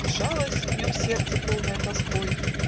Сжалось В нем сердце, полное тоской